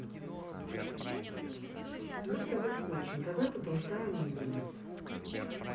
мне с тобой скучно давай поболтаем именно